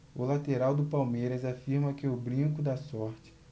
o lateral do palmeiras afirma que o brinco dá sorte